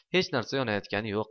hech narsa yonayotgani yo'q